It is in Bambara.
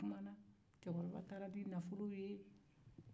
u kumanna cɛkɔrɔba taara ni nafolo ye